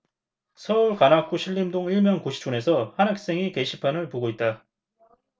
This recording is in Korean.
서울 관악구 신림동 일명 고시촌에서 한 학생이 게시판을 보고 있다